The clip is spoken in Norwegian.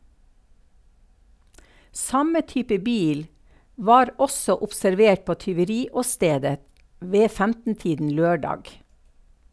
Samme type bil var også observert på tyveriåstedet ved 15-tiden lørdag.